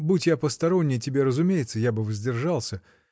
Будь я посторонний тебе, разумеется, я бы воздержался.